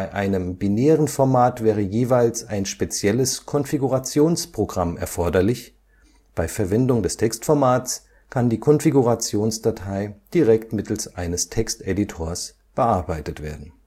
einem binären Format wäre jeweils ein spezielles Konfigurationsprogramm erforderlich, bei Verwendung des Textformats kann die Konfigurationsdatei direkt mittels eines Texteditors bearbeitet werden